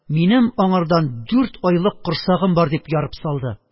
Минем аңардан дүрт айлык корсагым бар, – дип ярып салды